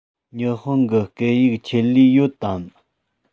ཉི ཧོང གི སྐད ཡིག ཆེད ལས ཡོད དམ